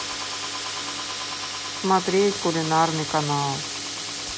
смотреть кулинарный канал